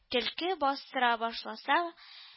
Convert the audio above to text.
Төлке бастыра башласа